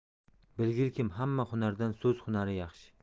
bilgilkim hamma hunardan so'z hunari yaxshi